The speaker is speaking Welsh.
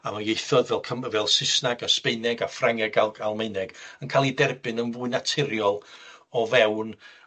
a ma' ieithoedd fel Cym- fel Sysnag a Sbaeneg a Ffrangeg Al- Almaeneg yn ca'l 'u derbyn yn fwy naturiol o fewn